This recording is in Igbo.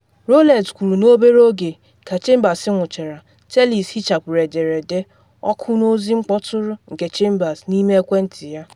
Rowlett kwuru n’obere oge ka Chambers nwụchara, Tellis hichapụrụ ederede, oku na ozi mkpọtụrụ nke Chambers n’ime ekwentị ya.